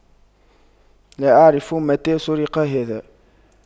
لا اعرف متى سرق هذا